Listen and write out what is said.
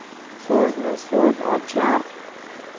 so'zni so'z ochar